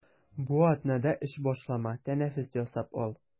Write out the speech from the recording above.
Бу атнада эш башлама, тәнәфес ясап ал.